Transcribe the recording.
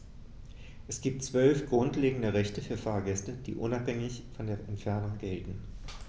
Es gibt 12 grundlegende Rechte für Fahrgäste, die unabhängig von der Entfernung gelten.